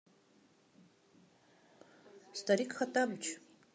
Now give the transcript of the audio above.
старик хоттабыч